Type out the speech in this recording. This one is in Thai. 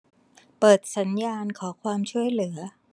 เปิดสัญญาณขอความช่วยเหลือ